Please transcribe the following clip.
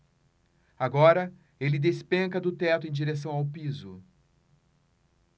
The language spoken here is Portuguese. agora ele despenca do teto em direção ao piso